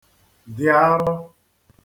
dị arọ